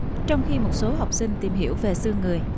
trong khi một số học sinh tìm hiểu về xương người